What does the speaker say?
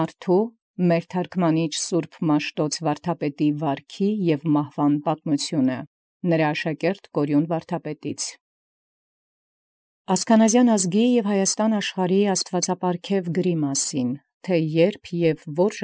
Մարդու մեր թարգմանիչ Սուրբ Մաշտոց վարդապետի վարքի և մահվան պատմությունը։ Նրա աշակերտ Կորյուն վարդապետից ԶԱԶՔԱՆԱԶԵԱՆ Ազգին և զՀայաստան աշխարհին զաստուածապարգև գրոյն, եթէ ե՛րբ և յորում։